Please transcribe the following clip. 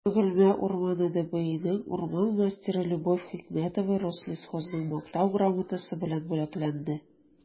«бөгелмә урманы» дбинең урман мастеры любовь хикмәтова рослесхозның мактау грамотасы белән бүләкләнде